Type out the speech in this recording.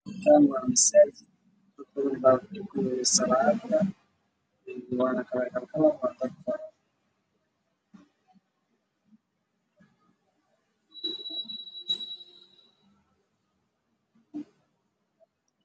Waa masaajid dad ayaa ku tukanaya saf ayay ku jiraan waana niman qaamisay wataan